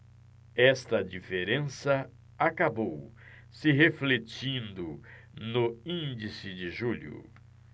esta diferença acabou se refletindo no índice de julho